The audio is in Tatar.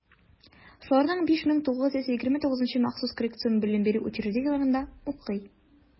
Шуларның 5929-ы махсус коррекцион белем бирү учреждениеләрендә укый.